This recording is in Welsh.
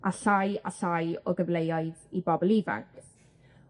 A llai a llai o gyfleoedd i bobol ifanc.